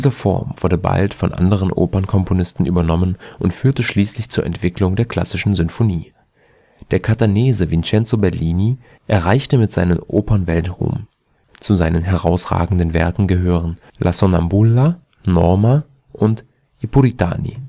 Form wurde bald von anderen Opernkomponisten übernommen und führte schließlich zur Entwicklung der klassischen Sinfonie. Der Catanese Vincenzo Bellini erreichte mit seinen Opern Weltruhm. Zu seinen herausragenden Werken gehören La Sonnambula, Norma und I puritani